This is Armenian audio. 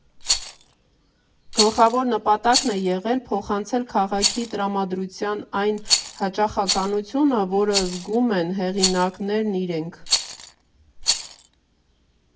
Գլխավոր նպատակն է եղել փոխանցել քաղաքի տրամադրության այն հաճախականությունը, որը զգում են հեղինակներն իրենք.